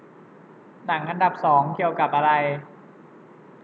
หนังอันดับสองเกี่ยวกับอะไร